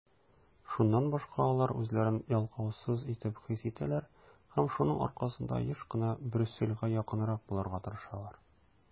Шуннан башка алар үзләрен яклаусыз итеп хис итәләр һәм шуның аркасында еш кына Брюссельгә якынрак булырга тырышалар.